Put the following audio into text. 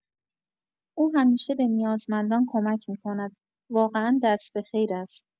او همیشه به نیازمندان کمک می‌کند، واقعا دست به خیر است.